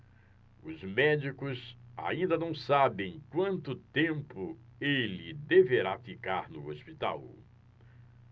os médicos ainda não sabem quanto tempo ele deverá ficar no hospital